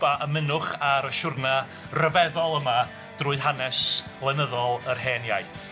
A ymunwch ar y siwrne ryfeddol yma drwy hanes lenyddol yr hen iaith.